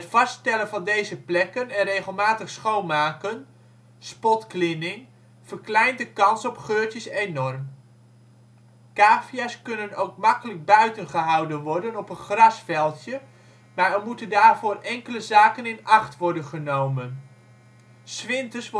vaststellen van deze plekken en regelmatig schoonmaken (spotcleaning) verkleint de kans op geurtjes enorm. Cavia 's kunnen ook makkelijk buiten gehouden worden (op een grasveldje), maar er moeten daarvoor enkele zaken in acht worden genomen. ' s